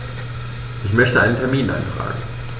Ich möchte einen Termin eintragen.